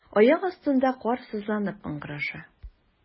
Аяк астында кар сызланып ыңгыраша.